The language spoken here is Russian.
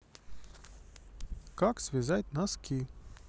как связать носки